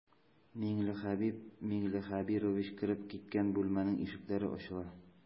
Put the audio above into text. Миңлехәбиб миңлехәбирович кереп киткән бүлмәнең ишекләре ачыла.